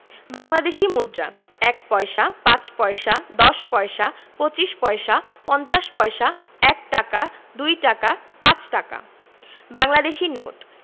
বাংলাদেশি মুদ্রাঃ ১ পয়সা ৫ পয়সা ১০ পয়সা ২৫ পয়সা ৫০ পয়সা ১ টাকা ২ টাকা ৫ টাকা বাংলাদেশি নোটঃ